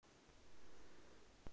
слава пляшет